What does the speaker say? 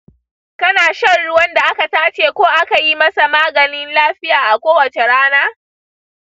kana shan ruwan da aka tace ko aka yi masa magani lafiya a kowace rana?